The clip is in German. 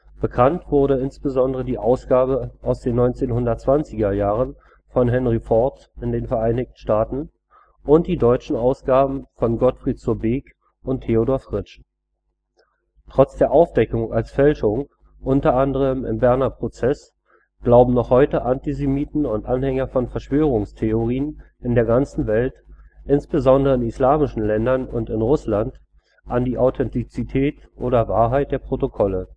Bekannt wurden insbesondere die Ausgabe aus den 1920er Jahren von Henry Ford in den Vereinigten Staaten und die deutschen Ausgaben von Gottfried zur Beek und Theodor Fritsch. Trotz der Aufdeckung als Fälschung u.a. im Berner Prozess glauben noch heute Antisemiten und Anhänger von Verschwörungstheorien in der ganzen Welt, insbesondere in islamischen Ländern und in Russland, an die Authentizität oder Wahrheit der Protokolle